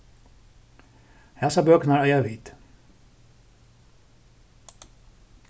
hasar bøkurnar eiga vit